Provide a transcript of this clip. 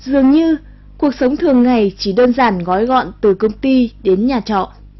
dường như cuộc sống thường ngày chỉ đơn giản gói gọn từ công ty đến nhà trọ